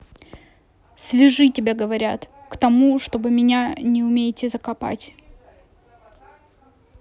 свяжи тебя готовят к тому чтобы меня не умете закопать